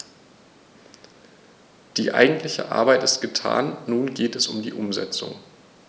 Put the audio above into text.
Die eigentliche Arbeit ist getan, nun geht es um die Umsetzung.